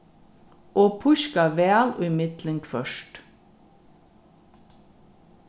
og píska væl ímillum hvørt